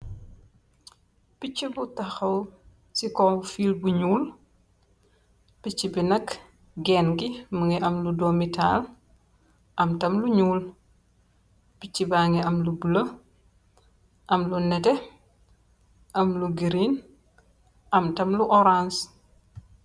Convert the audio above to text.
Picci bu taxaw ci kaw fiil gu ñuul. Picci nak geen gi mugii am lu doomi tahal am tam lu ñuul. Picci ba ngi am lu bula, am lu netteh, am lu green am tam lu orans.